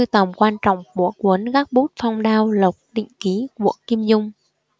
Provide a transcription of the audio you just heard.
tầm quan trọng của cuốn gác bút phong đao lộc đỉnh ký của kim dung